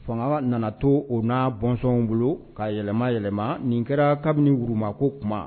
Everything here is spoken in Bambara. Fanga nana to o na bɔnsɔnw bolo ka yɛlɛma yɛlɛma nin kɛra kabiniuguma ko kuma